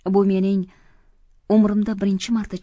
bu mening umrimda birinchi marta